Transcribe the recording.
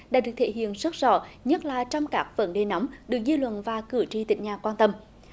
đã được thể hiện rất rõ nhất là trong các vấn đề nóng được dư luận và cử tri tỉnh nhà quan tâm